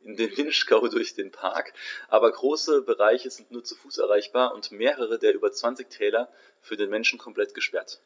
in den Vinschgau durch den Park, aber große Bereiche sind nur zu Fuß erreichbar und mehrere der über 20 Täler für den Menschen komplett gesperrt.